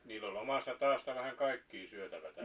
niillä oli omasta taasta vähän kaikkea syötävää